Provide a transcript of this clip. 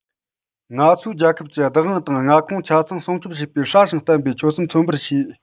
ང ཚོས རྒྱལ ཁབ ཀྱི བདག དབང དང མངའ ཁོངས ཆ ཚང སྲུང སྐྱོབ བྱེད པའི སྲ ཞིང བརྟན པའི ཆོད སེམས མཚོན པར བྱས